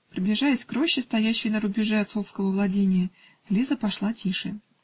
Приближаясь к роще, стоящей на рубеже отцовского владения, Лиза пошла тише.